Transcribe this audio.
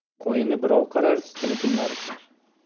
qo'yini birov qarar sutini kimlar ichar